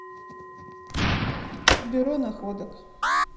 бюро находок